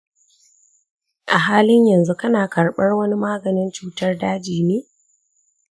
a halin yanzu kana karɓar wani maganin cutar daji ne?